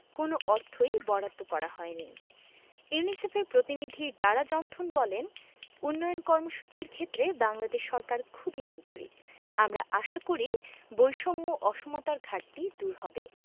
কোনো অর্থই বরাদ্দ করা হয়নি ইউনিসেফের প্রতিনিধি ডারা জনথন বলেন উন্নয়ন কর্মসূচির ক্ষেত্রে বাংলাদেশ সরকার খুবই আন্তরিক আমরা আশা করি বৈষম্য অসমতার ঘাটতি দূর হবে